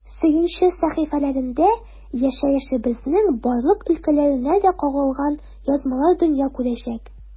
“сөенче” сәхифәләрендә яшәешебезнең барлык өлкәләренә дә кагылган язмалар дөнья күрәчәк.